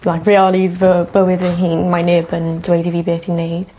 like reoli fy bywyd ei hun mae neb yn dweud i fi beth i neud.